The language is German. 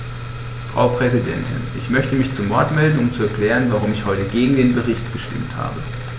Frau Präsidentin, ich möchte mich zu Wort melden, um zu erklären, warum ich heute gegen den Bericht gestimmt habe.